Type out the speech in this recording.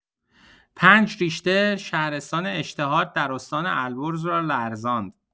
۵ ریش‌تر، شهرستان اشتهارد در استان البرز را لرزاند.